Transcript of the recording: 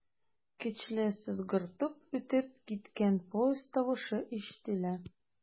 Көчле сызгыртып үтеп киткән поезд тавышы ишетелә.